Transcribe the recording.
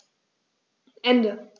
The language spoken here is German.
Ende.